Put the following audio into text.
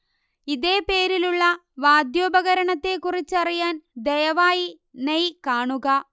ഇതേ പേരിലുള്ള വാദ്യോപകരണത്തെക്കുറിച്ചറിയാൻ ദയവായി നെയ് കാണുക